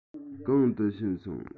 གང དུ ཕྱིན སོང